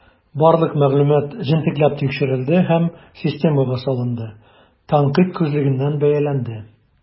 Барлык мәгълүмат җентекләп тикшерелде һәм системага салынды, тәнкыйть күзлегеннән бәяләнде.